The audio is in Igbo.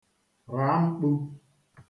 rà mkpu